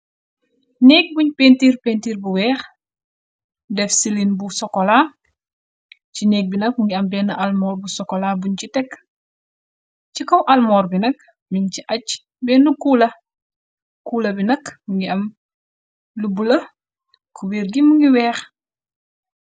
nékk buñ pentiir pentir bu weex def ci lin bu sokola ci nég bi nag ngi am benn almoor bu sokola buñ ci tekk ci kaw almoor bi nakk min ci ac benn kuula bi nak ngi am lu bula ku wir gi mungi weex